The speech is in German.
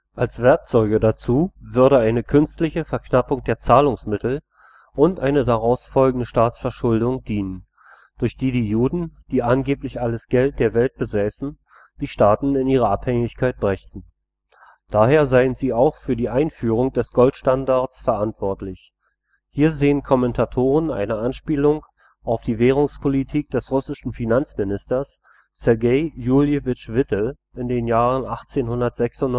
Als Werkzeuge dazu würde eine künstliche Verknappung der Zahlungsmittel und eine daraus folgende Staatsverschuldung dienen, durch die die Juden, die angeblich alles Geld der Welt besäßen, die Staaten in ihre Abhängigkeit brächten. Daher seien sie auch für die Einführung des Goldstandards verantwortlich – hier sehen Kommentatoren eine Anspielung auf die Währungspolitik des russischen Finanzministers Sergei Juljewitsch Witte in den Jahren 1896 / 97.